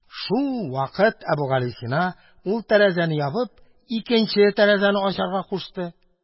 Шулвакыт Әбүгалисина, ул тәрәзәне ябып, икенче тәрәзәне ачырга кушты.